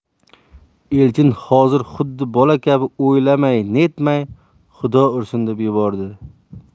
elchin hozir xuddi bola kabi o'ylamay netmay xudo ursin deb yubordi